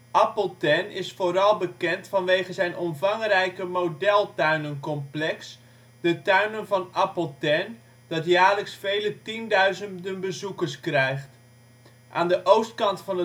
Appeltern is vooral bekend vanwege zijn omvangrijke modeltuinencomplex De Tuinen van Appeltern, dat jaarlijks vele tienduizenden bezoekers krijgt. Aan de oostkant van